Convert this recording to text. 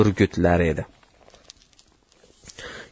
burgutlar edi